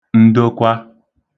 ndokwa